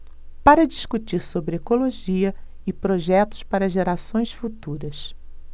para discutir sobre ecologia e projetos para gerações futuras